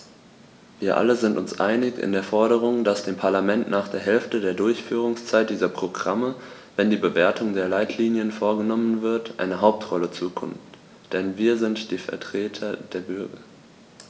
Wir alle sind uns einig in der Forderung, dass dem Parlament nach der Hälfte der Durchführungszeit dieser Programme, wenn die Bewertung der Leitlinien vorgenommen wird, eine Hauptrolle zukommt, denn wir sind die Vertreter der Bürger.